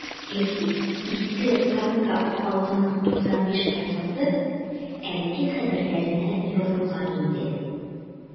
Әйтик, Иске Камка халкының 95 проценты “Әлки хәбәрләре”нә язылган инде.